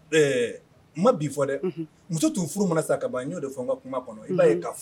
Ɛɛ n ma bi fɔ dɛ, unhun, muso tun furu mana sa ka ban n'o de fɔ n ka kuma kɔnɔ i b'a ye ka fɔ